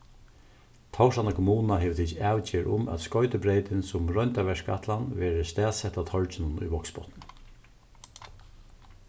tórshavnar kommuna hevur tikið avgerð um at skoytubreytin sum royndarverkætlan verður staðsett á torginum í vágsbotni